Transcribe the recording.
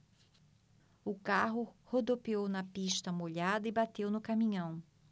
o carro rodopiou na pista molhada e bateu no caminhão